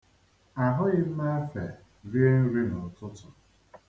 Ahụghị m efe rie nri n'ụtụtụ.